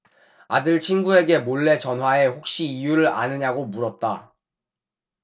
아들 친구에게 몰래 전화해 혹시 이유를 아느냐고 물었다